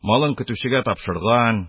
Малын көтүчегә тапшырган